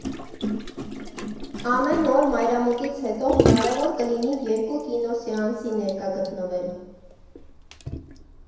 Ամեն օր մայրամուտից հետո հնարավոր կլինի երկու կինոսեանսի ներկա գտնվել։